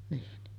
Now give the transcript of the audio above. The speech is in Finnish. niin